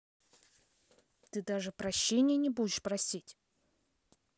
ты даже прощения не будешь спросить